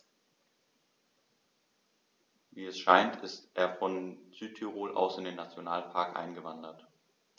Wie es scheint, ist er von Südtirol aus in den Nationalpark eingewandert.